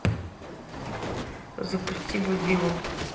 запусти будилу